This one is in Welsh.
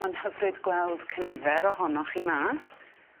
Ma'n hyfryd gweld cynifer ohonoch chi 'ma.